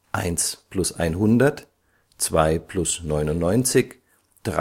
1 + 100, 2 + 99, …